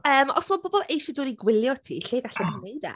Yym, os mae pobl eisiau dod i gwylio ti, lle gallen nhw gwneud e?